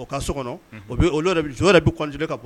O ka so kɔnɔ o bɛ yɛrɛ bɛj ka